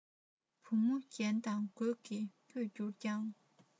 བུ མོ རྒྱན དང གོས ཀྱིས སྤུད གྱུར ཀྱང